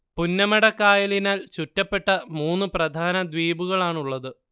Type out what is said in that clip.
പുന്നമടക്കായലിനാൽ ചുറ്റപ്പെട്ട മൂന്ന് പ്രധാന ദ്വീപുകളാണുള്ളത്